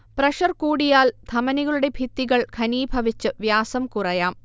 pressure കൂടിയാൽ ധമനികളുടെ ഭിത്തികൾ ഘനീഭവിച്ചു വ്യാസം കുറയാം